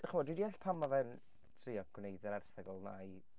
Chimod, dwi'n deall pam mae fe'n trio gwneud yr erthygl 'ma i...